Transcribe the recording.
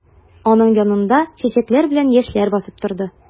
Аның янында чәчәкләр белән яшьләр басып торды.